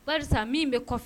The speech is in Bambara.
Ba min bɛ kɔfɛ